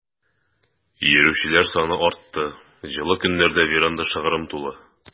Йөрүчеләр саны артты, җылы көннәрдә веранда шыгрым тулы.